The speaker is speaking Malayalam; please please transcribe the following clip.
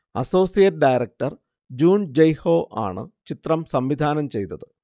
അസോസിയേറ്റ് ഡയറക്ടർ ജൂൻ ജയ്ഹോ ആണ് ചിത്രം സംവിധാനം ചെയ്തത്